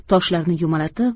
toshlarni yumalatib